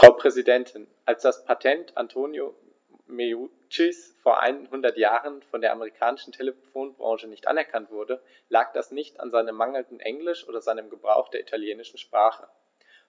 Frau Präsidentin, als das Patent Antonio Meuccis vor einhundert Jahren von der amerikanischen Telefonbranche nicht anerkannt wurde, lag das nicht an seinem mangelnden Englisch oder seinem Gebrauch der italienischen Sprache,